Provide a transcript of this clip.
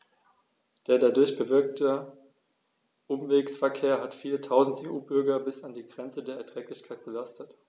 Der dadurch bewirkte Umwegsverkehr hat viele Tausend EU-Bürger bis an die Grenze des Erträglichen belastet.